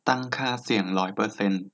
ตั้งค่าเสียงร้อยเปอร์เซนต์